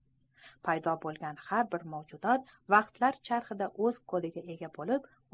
paydo bo'lgan har bir mavjudot vaqtlar charxida o'z kodiga ega bo'lib